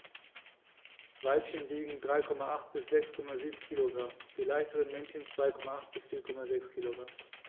Weibchen wiegen 3,8 bis 6,7 kg, die leichteren Männchen 2,8 bis 4,6 kg.